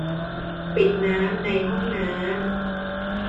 ปิดน้ำในห้องน้ำ